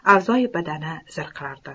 a'zoyi badani zirqiraydi